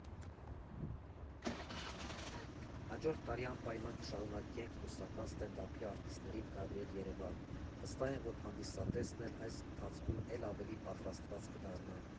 Հաջորդ տարի անպայման կշարունակենք ռուսական սթենդափի արտիստներին հրավիրել Երևան, վստահ եմ, որ հանդիսատեսն էլ այս ընթացքում էլ ավելի պարտաստված կդառնա։